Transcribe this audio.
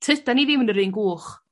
tydan ni ddim yn yr un gwch.